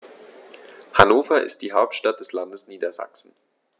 Hannover ist die Hauptstadt des Landes Niedersachsen.